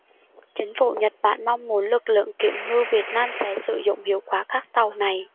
chính phủ nhật bản mong muốn lực lượng kiểm ngư việt nam sẽ sử dụng hiệu quả các tàu này